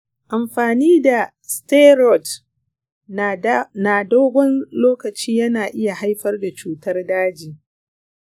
amfani da steroid na dogon lokaci yana iya haifar da cutar daji?